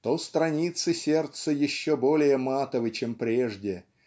то страницы сердца еще более матовы чем прежде